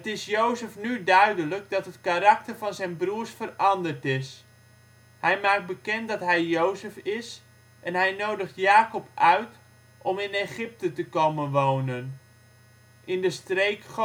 is Jozef nu duidelijk dat het karakter van zijn broers veranderd is. Hij maakt bekend dat hij Jozef is, en hij nodigt Jakob uit om in Egypte te komen wonen, in de streek